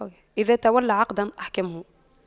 إذا تولى عقداً أحكمه